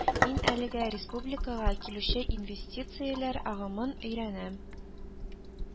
Мин әлегә республикага килүче инвестицияләр агымын өйрәнәм